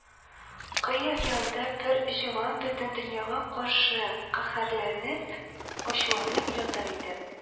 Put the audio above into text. Кое янында бер Җылан бөтен дөньяга каршы каһәрләнеп, ачуланып ята иде